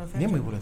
Nin ye mun y'i bolo